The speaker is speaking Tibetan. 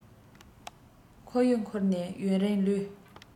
མགོ ཡུ འཁོར ནས ཡུན རིང ལུས